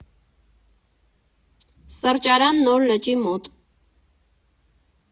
Սրճարան Նոր լճի մոտ։